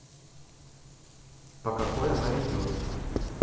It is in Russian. по какой она идет